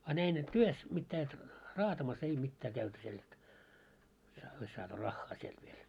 a näin että työssä mitään että raatamassa ei mitään käyty siellä että ja olisi saatu rahaa sieltä vielä